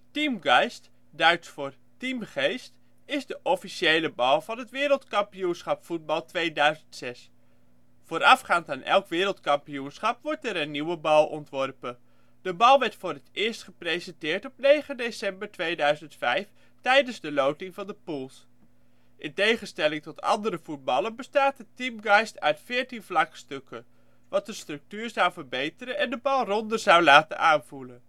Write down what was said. Teamgeist (Duits voor teamgeest) is de officiële bal van het Wereldkampioenschap voetbal 2006. Voorafgaand aan elk Wereldkampioenschap wordt er een nieuwe bal ontworpen. De bal werd voor het eerst gepresenteerd op 9 december 2005, tijdens de loting van de poules. In tegenstelling tot andere voetballen bestaat de Teamgeist uit 14 vlakstukken, wat de structuur zou verbeteren en de bal ronder zou laten aanvoelen